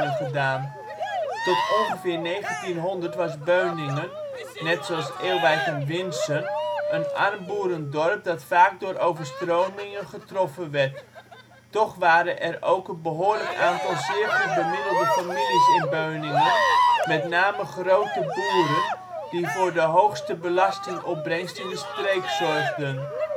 gedaan. Tot ongeveer 1900 was Beuningen, net zoals Ewijk en Winssen, een arm boerendorp dat vaak door overstromingen getroffen werd. Toch waren er ook een behoorlijk aantal zeer goed bemiddelde families in Beuningen, met name grote boeren, die voor de hoogste belastingopbrengst in de streek zorgden